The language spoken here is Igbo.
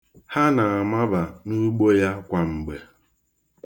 Ha na-amaba n'ugbo ya kwamgbe.